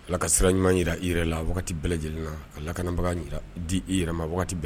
Ala ka siran ɲuman yi i yɛrɛ la wagati bɛɛ lajɛlen na a lakanabaga di i yɛrɛ ma wagati bɛɛ